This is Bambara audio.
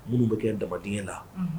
Minnu bɛ kɛ damabadenya la